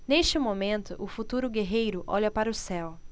neste momento o futuro guerreiro olha para o céu